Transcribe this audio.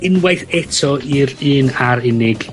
unwaith eto i'r un a'r unig